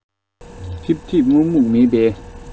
ཐིབ ཐིབ སྨུག སྨུག མེད པའི